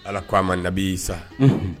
Ala ko' a ma da y'i sa